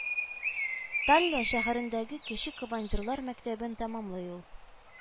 Таллин шәһәрендәге кече командирлар мәктәбен тәмамлый ул